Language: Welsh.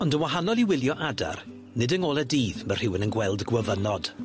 Ond yn wahanol i wylio adar, nid yng ngole dydd ma' rhywun yn gweld gwyfynod.